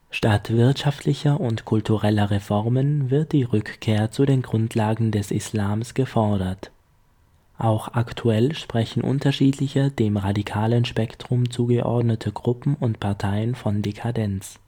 Statt wirtschaftlicher und kultureller Reformen wird die Rückkehr zu den Grundlagen des Islam gefordert. Auch aktuell sprechen unterschiedliche, dem radikalen Spektrum zugeordnete Gruppen und Parteien von „ Dekadenz